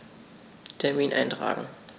Termin eintragen